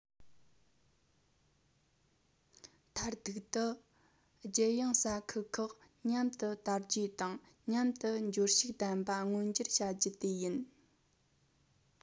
མཐར ཐུག ཏུ རྒྱལ ཡོངས ས ཁུལ ཁག མཉམ དུ དར རྒྱས དང མཉམ དུ འབྱོར ཕྱུག ལྡན པ མངོན གྱུར བྱ རྒྱུ དེ ཡིན